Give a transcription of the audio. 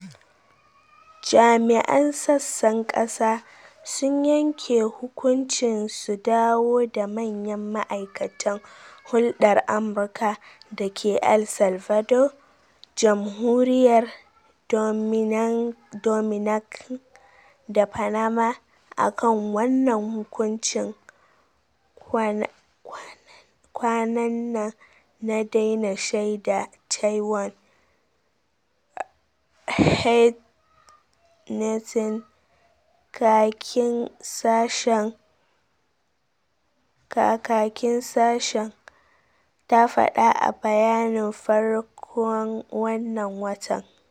Jami’an Sassan Kasa sun yanke hukunci su dawo da manyan ma’aikatan hulɗar Amurka da ke El Salvador, Jamhuriyar Dominacan da Panama akan wannan “hukuncin kwanan nan na daina shaida Taiwan,” Heather Nauert, kakakin sashen, ta faɗa a bayani farkon wannan watan.